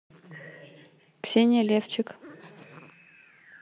ксения левчик